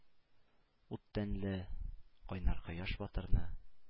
Ут тәнле, кайнар Кояш батырны;